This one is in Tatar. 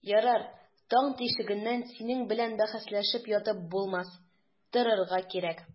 Ярар, таң тишегеннән синең белән бәхәсләшеп ятып булмас, торырга кирәк.